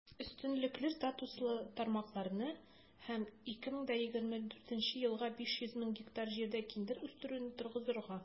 Өстенлекле статуслы тармакларны һәм 2024 елга 500 мең гектар җирдә киндер үстерүне торгызырга.